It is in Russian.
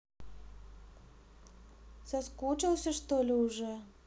соскучился что ли уже